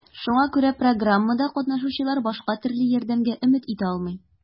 Шуңа күрә программада катнашучылар башка төрле ярдәмгә өмет итә алмый.